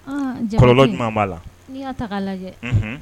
Jumɛn b'a la